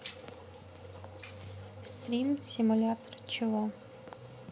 стрим симулятор чего